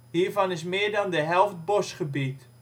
Hiervan is meer dan de helft bosgebied